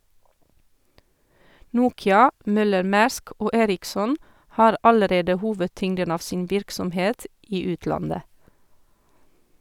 Nokia, Møller-Mærsk og Ericsson har allerede hovedtyngden av sin virksomhet i utlandet.